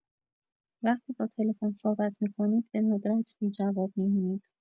وقتی با تلفن صحبت می‌کنید به‌ندرت بی‌جواب می‌مونید.